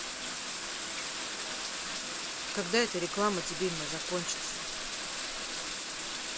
когда эта реклама дебильная закончится